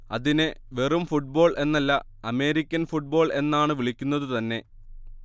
അതിനെ വെറും ഫുട്ബോൾ എന്നല്ല അമേരിക്കൻ ഫുട്ബോൾ എന്നാണ് വിളിക്കുന്നത് തന്നെ